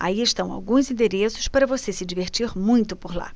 aí estão alguns endereços para você se divertir muito por lá